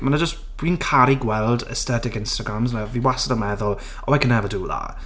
Ma' 'na jyst... wy'n caru gweld aesthetic Instagrams. Like fi wastad yn meddwl, oh I could never do that.